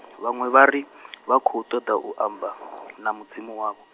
vhaṅwe vhari, vha khou ṱoḓa u amba, na Mudzimu wavho.